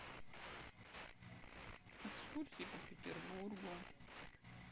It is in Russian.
экскурсии по петербургу